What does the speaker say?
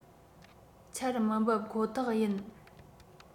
ཆར མི འབབ ཁོ ཐག ཡིན